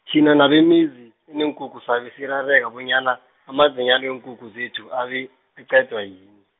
thina nabemizi eneenkukhu sabe sirareka bonyana amadzinyani weenkukhu zethu abe, aqedwa yini.